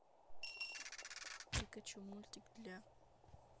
пикачу мультик для